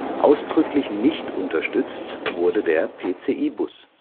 Ausdrücklich nicht unterstützt wurde der PCI-Bus